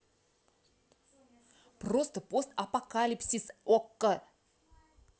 просто постапокалипсис okko